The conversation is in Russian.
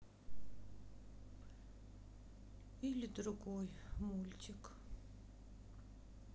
или другой мультик